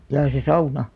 jaa se sauna